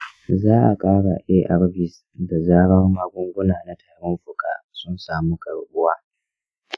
za a ƙara arvs da zarar magunguna na tarin fuka sun samu karɓuwa.